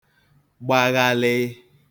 gba ghalịị